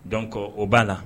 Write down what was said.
donco o b'a la